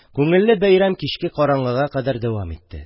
Күңелле бәйрәм кичке караңгыга кадәр давам итте.